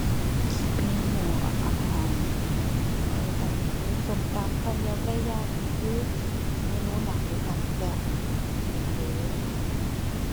เมนูอาหารภาคอีสานก็คือส้มตำ ข้าวเหนียว ไก่ย่าง นี่คือเมนูหลักเลยค่ะ แซ่บอีหลีเลย